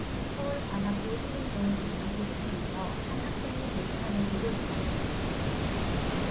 서울 관악구 신림동 일명 고시촌에서 한 학생이 게시판을 보고 있다